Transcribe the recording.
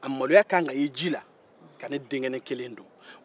a maloya ka kan ka kɛ ji la ka ne denkɛnin kelen dun